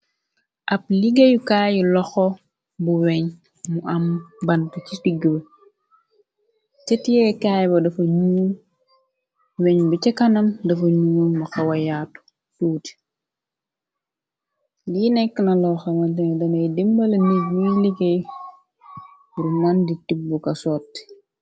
Ab liggéeyu kaayu loxo bu weñ mu am bant ci diggbe, sëtiyee kaay ba dafa ñuul, weñ bi ca kanam dafa ñuul, mu xawayaatu tuuti, li nekk na loo xamanteñu danay dimbala nit yuy liggéey, pur mon di tibbu ka sotti.